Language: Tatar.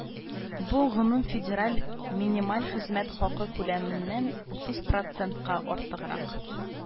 Бу гомум федераль минималь хезмәт хакы күләменнән утыз процентка артыграк